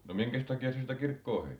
no minkäs takia se sitä kirkkoa heitti